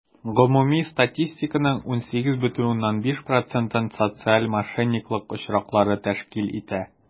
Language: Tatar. Гомуми статистиканың 18,5 процентын социаль мошенниклык очраклары тәшкил итә.